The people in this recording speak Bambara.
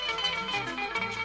San